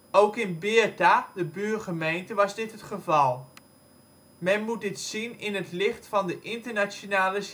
Ook in Beerta (buurgemeente) was dit het geval. Men moet dit zien in het licht van de internationale